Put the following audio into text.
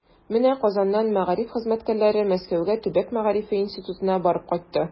Менә Казаннан мәгариф хезмәткәрләре Мәскәүгә Төбәк мәгарифе институтына барып кайтты.